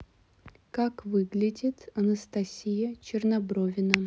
как выглядит анастасия чернобровина